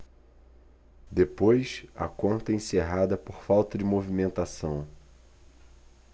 depois a conta é encerrada por falta de movimentação